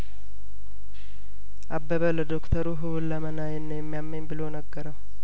አበበ ለዶክተሩ ሁለመናዬን ነው የሚያመኝ ብሎ ነገረው